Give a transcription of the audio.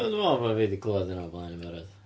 Na, dwi'n meddwl bod fi 'di clywed hynna o blaen yn barod.